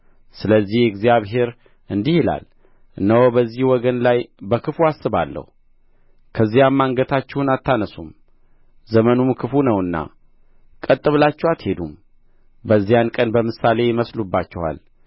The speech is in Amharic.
ስለዚህ እግዚአብሔር እንዲህ ይላል እነሆ በዚህ ወገን ላይ በክፉ አስባለሁ ከዚያም አንገታችሁን አታነሡም ዘመኑም ክፉ ነውና ቀጥ ብላችሁ አትሄዱም በዚያ ቀን በምሳሌ ይመስሉባችኋል